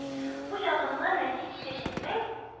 Бу ягымлы, нәфис чәчкәнең